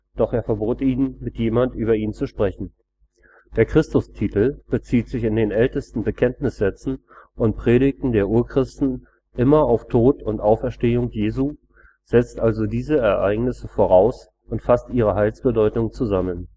Doch er verbot ihnen, mit jemand über ihn zu sprechen. “Der Christustitel bezieht sich in den ältesten Bekenntnissätzen und Predigten der Urchristen immer auf Tod und Auferstehung Jesu, setzt also diese Ereignisse voraus und fasst ihre Heilsbedeutung zusammen